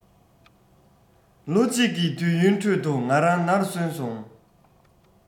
ལོ གཅིག གི དུས ཡུན ཁྲོད དུ ང རང ནར སོན སོང